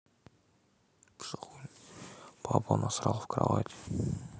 папа насрал в кровать